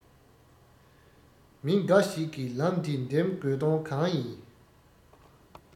མི འགའ ཞིག གིས ལམ འདི འདེམ དགོས དོན གང ཡིན